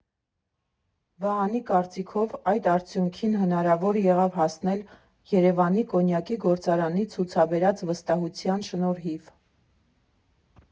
Վահանի կարծիքով՝ այդ արդյունքին հնարավոր եղավ հասնել Երևանի կոնյակի գործարանի ցուցաբերած վստահության շնորհիվ.